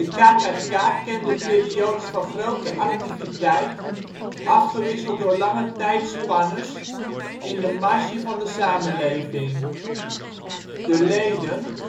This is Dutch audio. De KKK kende periodes van grote activiteit afgewisseld door lange tijdspannes in de marge van de samenleving. De leden